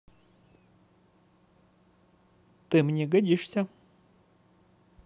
ты мне годишься